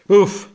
Wff.